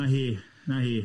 Na hi, na hi.